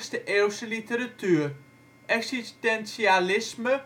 de 20e-eeuwse literatuur, existentialisme